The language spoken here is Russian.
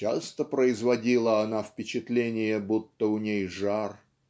"часто производила она впечатление, будто у ней жар".